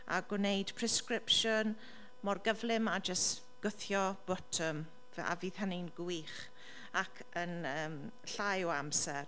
A gwneud presgripsiwn mor gyflym a jyst gwthio botwm fy- a fydd hynny'n gwych ac yn yym llai o amser.